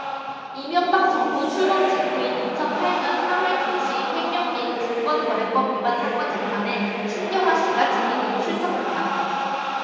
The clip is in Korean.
이명박 정부 출범 직후인 이천 팔 년 삼 월 김씨의 횡령 및 증권거래법 위반 사건 재판에 신경화씨가 증인으로 출석했다